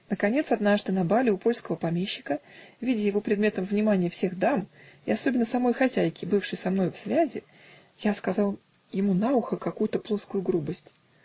Наконец однажды на бале у польского помещика, видя его предметом внимания всех дам, и особенно самой хозяйки, бывшей со мною в связи, я сказал ему на ухо какую-то плоскую грубость.